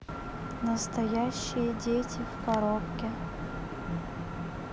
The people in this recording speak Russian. настоящие дети в коробке